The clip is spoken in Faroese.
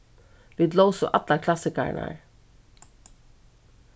vit lósu allar klassikararnar